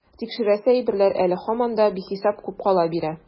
Тикшерәсе әйберләр әле һаман да бихисап күп кала бирә.